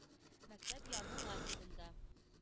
Мәктәп яны лагеренда